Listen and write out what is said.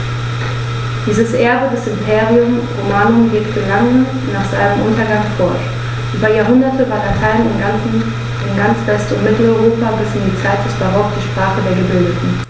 Dieses Erbe des Imperium Romanum wirkte lange nach seinem Untergang fort: Über Jahrhunderte war Latein in ganz West- und Mitteleuropa bis in die Zeit des Barock die Sprache der Gebildeten.